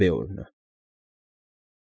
Բեորնը։